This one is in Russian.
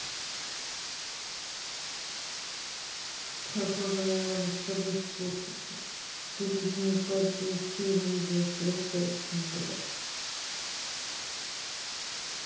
похоже мне надо с тобой сфоткаться а то люди не поверят что я сегодня видела с красавчиком блядь